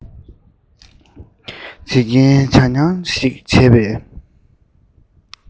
བྱེད ཀྱིན བྱ རྨྱང ཞིག བྱེད པས